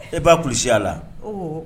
E b'a kuluya la